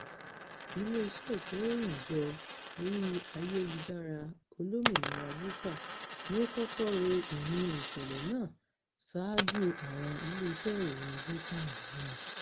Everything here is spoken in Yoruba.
Ilé-iṣẹ́ Ìkóròyìnjọ Orí-ayélujára Olómìnira Bulka ni ó kọ́kọ́ ro ìyìn ìṣẹ̀lẹ̀ náà ṣáájú àwọn ilé-iṣẹ́ ìròyìn Bulka mìíràn.